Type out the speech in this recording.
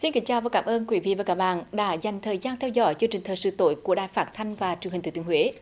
xin kính chào và cảm ơn quý vị và các bạn đã dành thời gian theo dõi chương trình thời sự tối của đài phát thanh và truyền hình thừa thiên huế